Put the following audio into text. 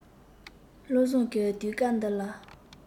བློ བཟང གིས དུས སྐབས འདི ལ